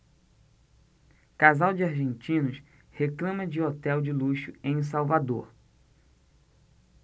casal de argentinos reclama de hotel de luxo em salvador